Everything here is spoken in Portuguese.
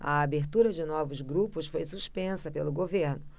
a abertura de novos grupos foi suspensa pelo governo